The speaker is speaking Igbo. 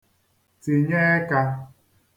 tìnye ẹkā